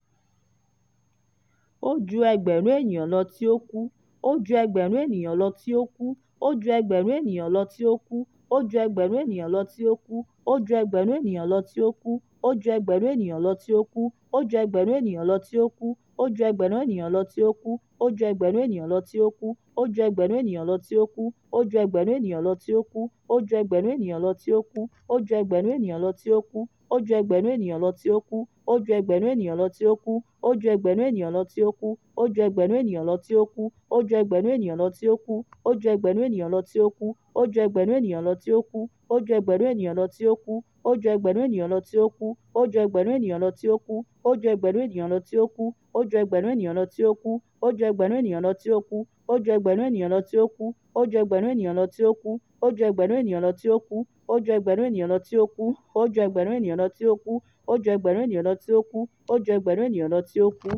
Ó ju ẹgbẹ̀rún ènìyàn lọ tí ó kú.